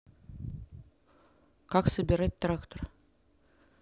как собирать трактор